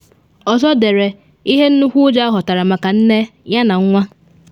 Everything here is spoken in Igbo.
Ọzọ dere: “Ihe nnukwu ụjọ aghọtara maka nne yana nwa.